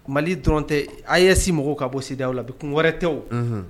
Mali dɔrɔn tɛ a yeye si mɔgɔw ka bɔ sidaw la a bi kun wɛrɛɛrɛ tɛ o